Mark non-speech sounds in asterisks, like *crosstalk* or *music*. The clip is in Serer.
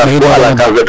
*unintelligible*